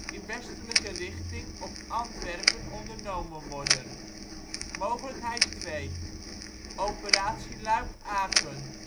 in westelijke richting op Antwerpen ondernomen worden. Mogelijkheid 2 Operatie Luik-Aken